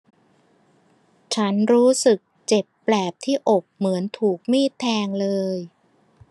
ฉันรู้สึกเจ็บแปลบที่อกเหมือนถูกมีดแทงเลย